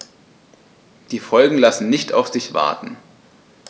Die Folgen lassen nicht auf sich warten.